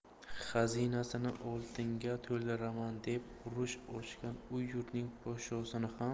xazinasini oltinga to'ldiraman deb urush ochgan u yurtning podshosini ham